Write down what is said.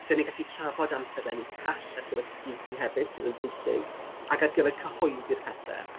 Dan ni'n gallu trafod amserlennu call ar gyfer cyfieithu hefyd, sydd yn bwysig, ac ar gyfer cyhoeddi'r pethe.